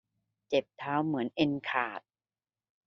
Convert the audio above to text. เท้าเจ็บเหมือนเอ็นขาด